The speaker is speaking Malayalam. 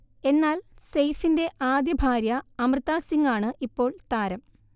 എന്നാൽ സെയ്ഫിൻ്റെ ആദ്യ ഭാര്യ അമൃത സിങ്ങാണ് ഇപ്പോൾ താരം